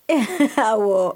awɔ